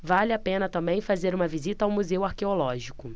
vale a pena também fazer uma visita ao museu arqueológico